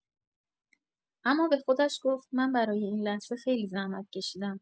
اما به خودش گفت: «من برای این لحظه خیلی زحمت کشیدم.»